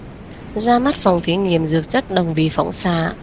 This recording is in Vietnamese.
ra mắt phòng thí nghiệm dược chất đồng vị phóng xạ